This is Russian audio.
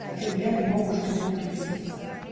Один я не мог уже к нему приблизиться.